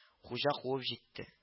Хуҗа куып җитте